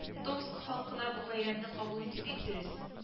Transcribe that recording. Томск халкына бу бәйрәмне кабул итү бик дөрес